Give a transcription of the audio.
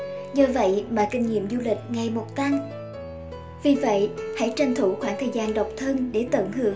nhờ vậy mà kinh nghiệm du lịch ngày một tăng vì vậy hãy tranh thủ khoảng thời gian độc thân để tận hưởng